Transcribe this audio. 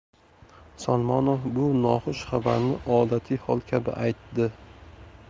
solmonov bu noxush xabarni odatiy hol kabi aytdi